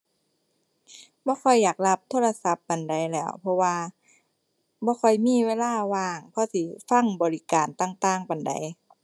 บ่ค่อยอยากรับโทรศัพท์ปานใดแหล้ว เพราะว่าบ่ค่อยมีเวลาว่างพอสิฟังบริการต่างต่างปานใด